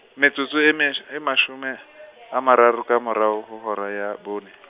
metsotso e mesh-, e mashome , a mararo ka morao ho hora ya bone.